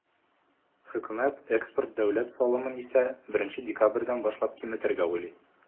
Хөкүмәт экспорт дәүләт салымын исә, 1 декабрьдән башлап киметергә уйлый.